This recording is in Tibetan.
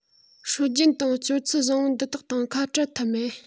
སྲོལ རྒྱུན དང སྤྱོད ཚུལ བཟང པོ འདི དག དང ཁ བྲལ ཐབས མེད